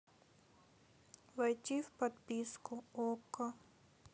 войти в подписку окко